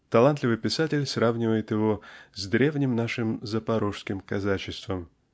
Талантливый писатель сравнивает его с древним нашим запорожским казачеством.